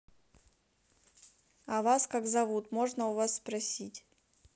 а вас как зовут можно у вас спросить